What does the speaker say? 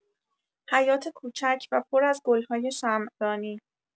حیاط کوچک و پر از گل‌های شمعدانی